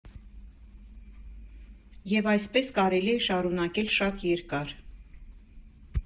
Եվ այսպես կարելի է շարունակել շատ երկար։